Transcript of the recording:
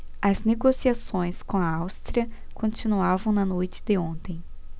as negociações com a áustria continuavam na noite de ontem